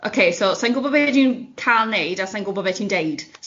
ok so sa i'n gwybod be dwi'n cael 'neud a sa' i'n gwybod be ti'n deud.